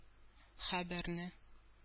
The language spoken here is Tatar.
Хәбәрне